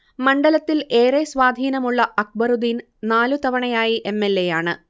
മണ്ഡലത്തിൽ ഏറെ സ്വാധീനമുള്ള അക്ബറുദ്ദീൻ നാലു തവണയായി എംഎൽഎയാണ്